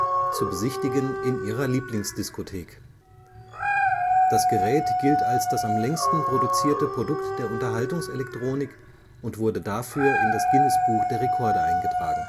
„ Zu besichtigen in Ihrer Lieblings-Diskothek “beworben. Das Gerät gilt als das am längsten produzierte Produkt der Unterhaltungselektronik und wurde dafür in das Guinness-Buch der Rekorde eingetragen